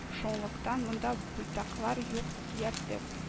Шунлыктан монда буйдаклар юк диярлек